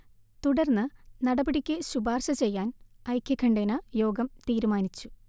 തുടർന്ന് നടപടിക്ക് ശുപാർശചെയ്യാൻ ഐകകണ്ഠ്യേന യോഗം തീരുമാനിച്ചു